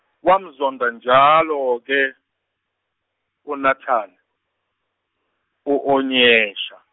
wamzonda njalo-ke, uNatana, u-Onyesha.